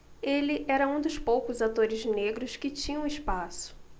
ele era um dos poucos atores negros que tinham espaço